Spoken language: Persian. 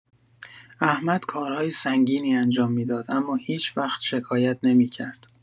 احمد کارهای سنگینی انجام می‌داد، اما هیچ‌وقت شکایت نمی‌کرد.